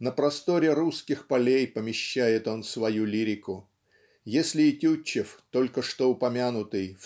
на просторе русских полей помещает он свою лирику. Если и Тютчев только что упомянутый